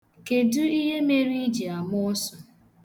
Kedụ ihe mere i ji ama ọsụ?